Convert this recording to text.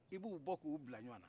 i b'u bɔ k'u bila ɲɔɔna